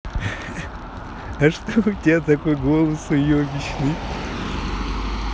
а что у тебя такой голос уебищный